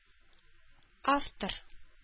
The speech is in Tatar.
Автор